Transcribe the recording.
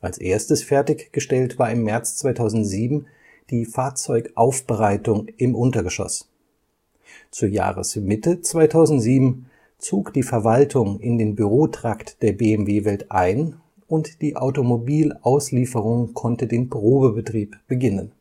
Als Erstes fertiggestellt war im März 2007 die Fahrzeugaufbereitung im Untergeschoss. Zur Jahresmitte 2007 zog die Verwaltung in den Bürotrakt der BMW Welt ein und die Automobilauslieferung konnte den Probebetrieb beginnen